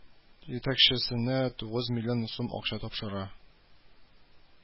Җитәкчесенә тугыз миллион сум акча тапшыра